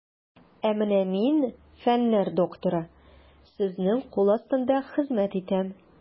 Ә менә мин, фәннәр докторы, сезнең кул астында хезмәт итәм.